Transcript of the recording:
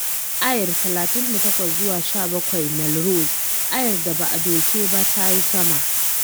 Ayr 38 - 17 Melrose: Ayr da ba a doke ba ta yi sama